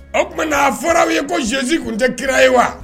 O tuma'a fɔraw ye ko sɛsin tun tɛ kira ye wa